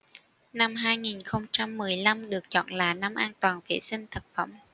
năm hai nghìn không trăm mười lăm được chọn là năm an toàn vệ sinh thực phẩm